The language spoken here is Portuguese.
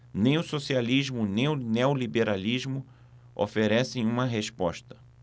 nem o socialismo nem o neoliberalismo oferecem uma resposta